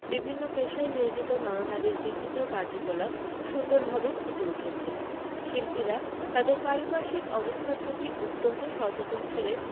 বিভিন্ন পেশায় নিয়োজিত নর নারীর বিচিত্র কার্যকলাপ সুন্দরভাবে ফুটে উঠেছে শিল্পীরা তাদের পারিপার্শ্বিক অবস্থার প্রতি অত্যন্ত সচেতন ছিলেন